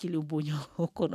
Tile bonyaɔn kɔnɔ